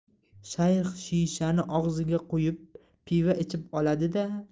shayx shishani og'ziga qo'yib pivo ichib oladi da